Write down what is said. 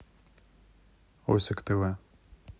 осик тв